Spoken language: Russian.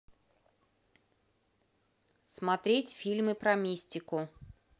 смотреть фильмы про мистику